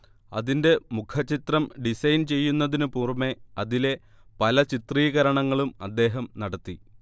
അതിന്റെ മുഖചിത്രം ഡിസൈൻ ചെയ്യുന്നതിനു പുറമേ അതിലെ പല ചിത്രീകരണങ്ങളും അദ്ദേഹം നടത്തി